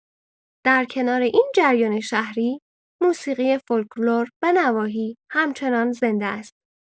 در کنار این جریان شهری، موسیقی فولکلور و نواحی همچنان زنده است.